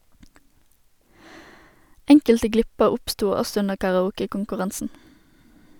Enkelte glipper oppstod også under karaoke-konkurransen.